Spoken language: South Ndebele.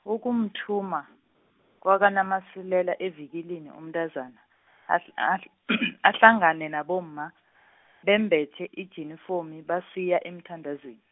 ukumthuma, kwakaNaMasilela evikilini umntazana, ahl- ahl- ahlangane nabomma, bambethe ijinifomu, basiya emthandazweni.